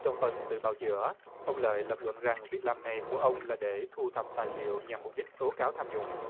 trong phần tự bào chữa ông lợi lập luận rằng việc làm này của ông là để thu thập tài liệu nhằm mục đích tố cáo tham nhũng